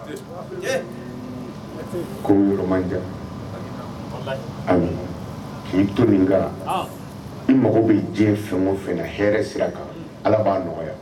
Ko yɔrɔ to i mɔgɔw bɛ diɲɛ fɛn o fɛ hɛrɛ sira kan ala b'a nɔgɔya